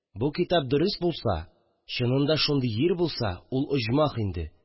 Бу китап дөрест булса, чынында шундый йир булса, ул оҗмах инде